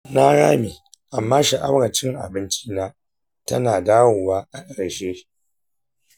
na rame amma sha’awar cin abincina tana dawowa a ƙarshe.